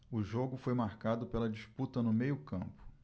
o jogo foi marcado pela disputa no meio campo